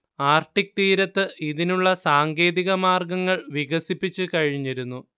Arctic തീരത്ത് ഇതിനുള്ള സാങ്കേതിക മാർഗങ്ങൾ വികസിപ്പിച്ചു കഴിഞ്ഞിരുന്നു